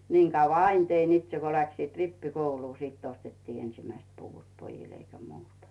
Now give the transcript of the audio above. niin kauan aina tein itse kun lähtivät rippikouluun sitten ostettiin ensimmäiset puvut pojille eikä muuta